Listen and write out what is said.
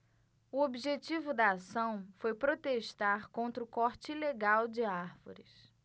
o objetivo da ação foi protestar contra o corte ilegal de árvores